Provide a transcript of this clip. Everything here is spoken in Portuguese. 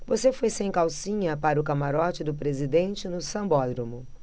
você foi sem calcinha para o camarote do presidente no sambódromo